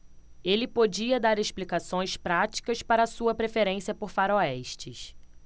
ele podia dar explicações práticas para sua preferência por faroestes